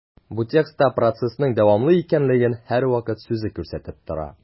Бу текстта процессның дәвамлы икәнлеген «һәрвакыт» сүзе күрсәтеп тора.